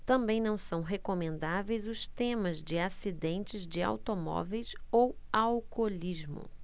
também não são recomendáveis os temas de acidentes de automóveis ou alcoolismo